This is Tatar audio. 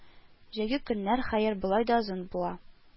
Җәйге көннәр, хәер, болай да озын була